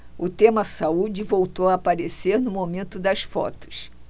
o tema saúde voltou a aparecer no momento das fotos